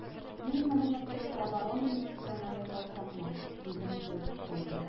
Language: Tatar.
Мин моны Мәскәүгә оборона министрына язачакмын, дидем чыгып киткәндә.